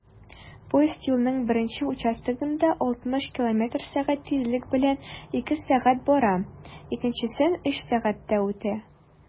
Поезд юлның беренче участогында 60 км/сәг тизлек белән 2 сәг. бара, икенчесен 3 сәгатьтә үтә.